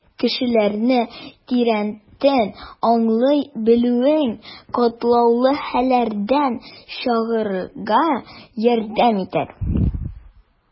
Кешеләрне тирәнтен аңлый белүең катлаулы хәлләрдән чыгарга ярдәм итәр.